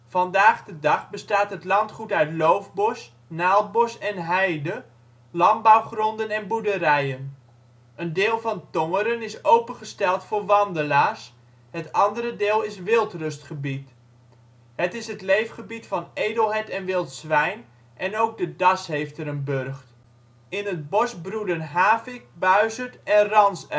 Vandaag de dag bestaat het landgoed uit loofbos, naaldbos, heide, landbouwgronden en boerderijen. Een deel van Tongeren is opengesteld voor wandelaars, het andere deel is wildrustgebied. Het is het leefgebied van edelhert en wild zwijn en ook de das heeft er een burcht. In het bos broeden havik, buizerd en ransuil